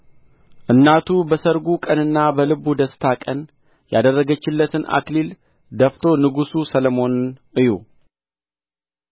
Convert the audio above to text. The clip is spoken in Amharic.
እናቱ በሠርጉ ቀንና በልቡ ደስታ ቀን ያደረገችለትን አክሊል ደፍቶ ንጉሥ ሰሎሞንን እዩ